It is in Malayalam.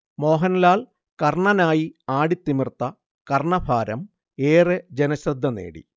മോഹൻലാൽ കർണനായി ആടിത്തിമിർത്ത കർണഭാരം ഏറെ ജനശ്രദ്ധ നേടി